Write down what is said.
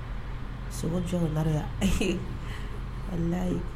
Sogo jɔ la ye